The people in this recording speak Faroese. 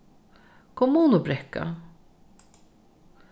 kommunubrekka